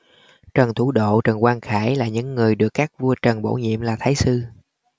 trần thủ độ trần quang khải là những người được các vua trần bổ nhiệm là thái sư